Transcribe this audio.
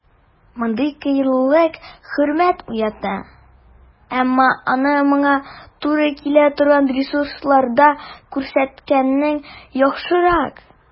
Мондый кыюлык хөрмәт уята, әмма аны моңа туры килә торган ресурсларда күрсәткәнең яхшырак.